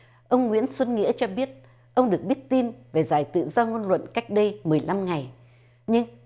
ông nguyễn xuân nghĩa cho biết ông được biết tin về giải tự do ngôn luận cách đây mười năm ngày nhưng